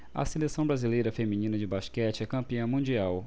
a seleção brasileira feminina de basquete é campeã mundial